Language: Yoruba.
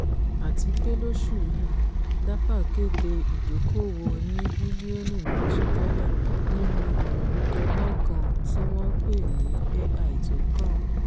Àtipé lóṣù yìí DARPA kéde ìdókòòwò oní-bílíọ̀nù méjì dọ́là nínú ìrònú-dọgbọ́n kan tí wọ́n pè ni AI Tókàn.